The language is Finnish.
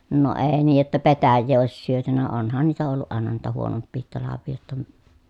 no ei niin jotta petäjää olisi syöty onhan niitä ollut aina niitä huonompiakin talvia jotta -